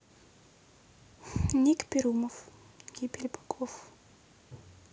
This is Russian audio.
ник перумов гибель богов